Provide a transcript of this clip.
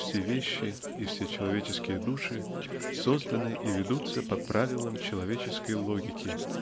все вещи и все человеческие души созданы и ведутся по правилам человеческой логики